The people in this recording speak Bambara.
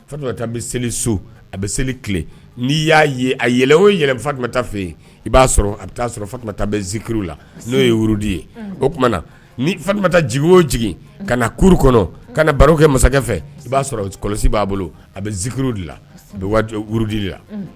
Fa n bɛ seli so a bɛ seli tile n'i ya ye a yɛlɛ o yɛlɛta fɛ yen i'a fa taa bɛ zikuru la n'o yeurudi ye o tuma fata jigi o jigin ka na kuru kɔnɔ ka na baro kɛ masakɛ fɛ i'a sɔrɔ kɔlɔsi b'a bolo a bɛ zikuruuru de bɛurudi la